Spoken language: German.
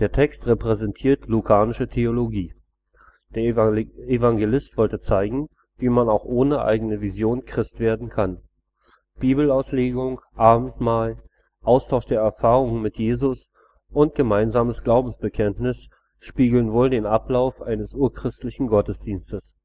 Text repräsentiert lukanische Theologie: Der Evangelist wollte zeigen, wie man auch ohne eigene Vision Christ werden kann. Bibelauslegung, Abendmahl, Austausch der Erfahrungen mit Jesus und gemeinsames Glaubensbekenntnis spiegeln wohl den Ablauf eines urchristlichen Gottesdienstes